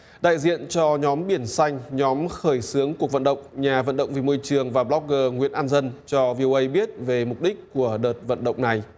đại diện cho nhóm biển xanh nhóm khởi xướng cuộc vận động nhà vận động vì môi trường và bờ lóc gơ nguyễn an dân cho vi ô ây biết về mục đích của đợt vận động này